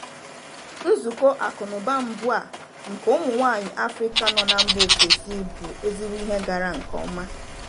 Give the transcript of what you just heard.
Nzukọ Akụnụba mbụ a nke ụmụ nwaanyị Afrịka nọ na mba ofesi bụ ezigbo ihe gara nkeọma.